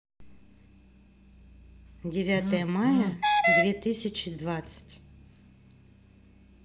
девятое мая две тысячи двадцать